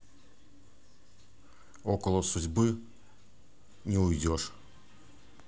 около судьбы